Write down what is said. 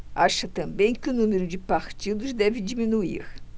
acha também que o número de partidos deve diminuir